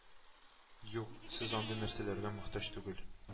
Юк, сез андый нәрсәләргә мохтаҗ түгел